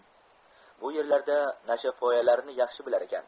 bu yerlarda nashapoyalarni yax shi bilarkan